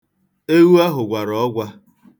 Ewu ahụ gwara ọgwa.